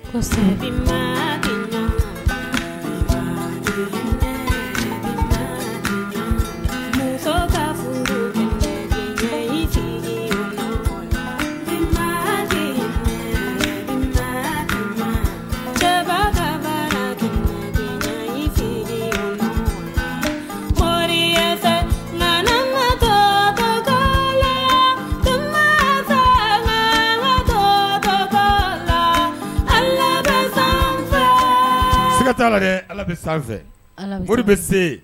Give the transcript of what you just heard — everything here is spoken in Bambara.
Ka kun ka mori nka ma ga nk ka ka ga alela san fo ka t' lajɛ ala bɛ sanfɛ mori bɛ se